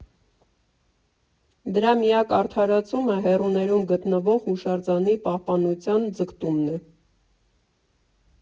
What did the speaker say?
Դրա միակ արդարացումը հեռուներում գտնվող հուշարձանի պահպանության ձգտումն է։